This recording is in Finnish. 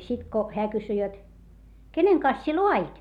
sitten kun hän kysyi jotta kenen kanssa sinä laadit